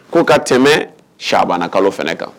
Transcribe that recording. Ko ka tɛmɛ sabana kalo fana kan